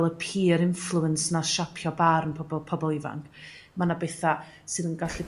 wel y peer influence nath siapio barn pobol pobol ifanc ma' 'na betha' sydd yn gallu